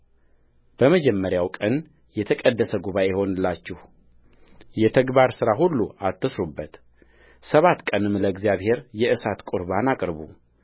በመጀመሪያው ቀን የተቀደሰ ጉባኤ ይሁንላችሁ የተግባር ሥራ ሁሉ አትሥሩበትሰባት ቀንም ለእግዚአብሔር የእሳት ቍርባን አቅርቡ